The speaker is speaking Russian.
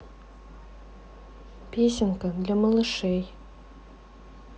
песенка для малышей